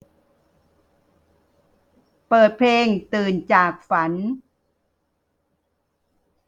เปิดเพลงตื่นจากฝัน